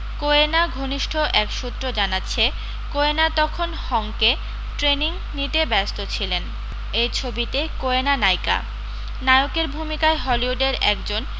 কোয়েনা ঘনিষ্ঠ এক সূত্র জানাচ্ছে কোয়েনা তখন হংকে ট্রেনিং নিতে ব্যস্ত ছিলেন এই ছবিতে কোয়েনা নায়িকা নায়কের ভূমিকায় হলিউডের এক জন